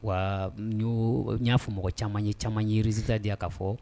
Wa n' n y'a fɔ mɔgɔ caman ye caman yeirizta de ka fɔ